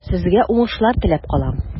Сезгә уңышлар теләп калам.